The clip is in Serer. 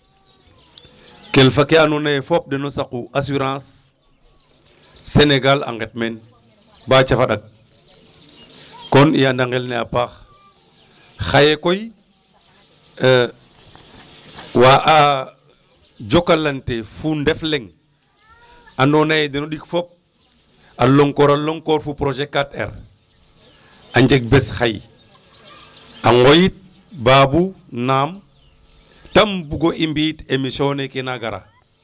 Kilifa ke andoona yee fop den o saqu assurance sénégal a nqet meen ba a caf a ɗak kon i anda nqel ne a paax. Xaye koy wa a Jokalante fo Ndefleng andoona yee den ɗik fop a lokoru loŋkoor fo projet 4R a njeg bes xaye a layit Babou Nam kan bugo i mbi'it émission na gara?